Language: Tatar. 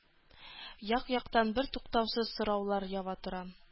Як-яктан бертуктаусыз сораулар ява тора.